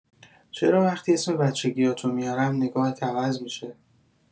چرا وقتی اسم بچگی‌هاتو میارم، نگاهت عوض می‌شه؟